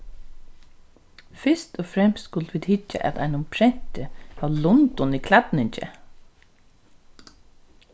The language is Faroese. fyrst og fremst skuldu vit hyggja at einum prenti av lundum í klædningi